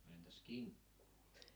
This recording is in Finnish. no entäs kinkkua